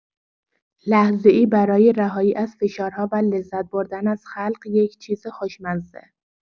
لحظه‌ای برای رهایی از فشارها و لذت‌بردن از خلق یک چیز خوشمزه.